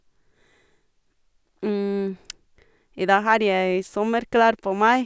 I dag har jeg sommerklær på meg.